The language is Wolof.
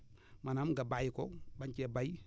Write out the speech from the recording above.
maanaam nga bàyyi ko bañ cee bay